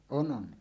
on on